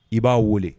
I ba weele.